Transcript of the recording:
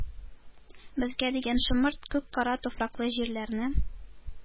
Безгә дигән шомырт күк кара туфраклы җирләрне,